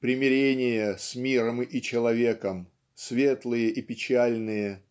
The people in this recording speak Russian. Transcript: примирения с миром и человеком светлые и печальные